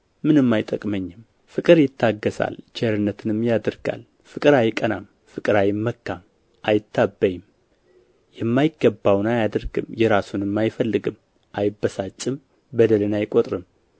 ምንም አይጠቅመኝም ፍቅር ይታገሣል ቸርነትንም ያደርጋል ፍቅር አይቀናም ፍቅር አይመካም አይታበይም የማይገባውን አያደርግም የራሱንም አይፈልግም አይበሳጭም በደልን አይቆጥርም